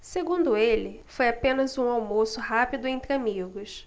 segundo ele foi apenas um almoço rápido entre amigos